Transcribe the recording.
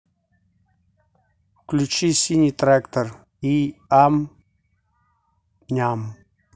включи синий трактор и ам ням